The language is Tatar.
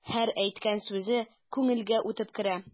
Һәр әйткән сүзе күңелгә үтеп керә.